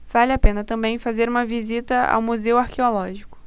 vale a pena também fazer uma visita ao museu arqueológico